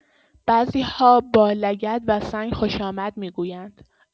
بعضی‌ها با لگد و سنگ خوش‌آمد می‌گویند.